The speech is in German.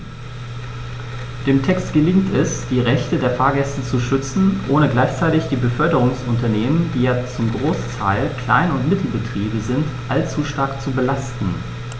Dem Text gelingt es, die Rechte der Fahrgäste zu schützen, ohne gleichzeitig die Beförderungsunternehmen - die ja zum Großteil Klein- und Mittelbetriebe sind - allzu stark zu belasten.